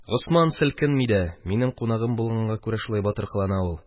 Госман селкенми дә, минем кунагым булганга күрә шулай батыр кылана ул.